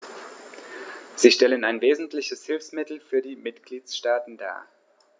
Sie stellen ein wesentliches Hilfsmittel für die Mitgliedstaaten dar.